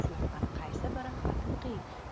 shulardan qaysi biri haqiqiy